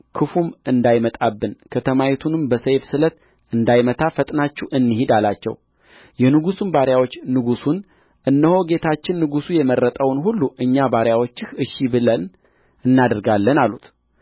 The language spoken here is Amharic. ክፉም እንዳያመጣብን ከተማይቱንም በሰይፍ ስለት እንዳይመታ ፈጥናችሁ እንሂድ አላቸው የንጉሡም ባሪያዎች ንጉሡን እነሆ ጌታችን ንጉሡ የመረጠውን ሁሉ እኛ ባሪያዎችህ እሺ ብለን እናደርጋለን አሉት